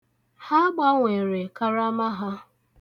Ha gbanwere karama ha.